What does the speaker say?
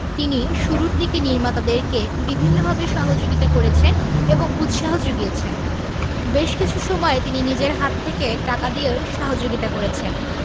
তিনি শুরুর দিকে নির্মাতাদেরকে বিভিন্নভাবে সহযোগিতা করেছেন এবং উৎসাহ যুগিয়েছেন বেশ কিছু সময়ে তিনি নিজের হাত থেকে টাকা দিয়েও সহযোগিতা করেছেন